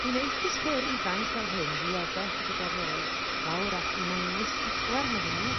Mi neith pys pêr ifanc fel hyn ddiodde chydig o rhew lawr at minus pedwar medden n'w.